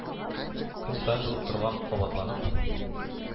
Көн саен булып торган, кабатланып